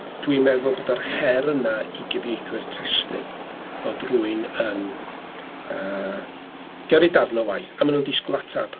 Dwi'n meddwl bod yr her yna i gyfeithwyr testun bod rhywun yn, yyy, gyrru darn o waith a maen nhw'n disgwyl ateb.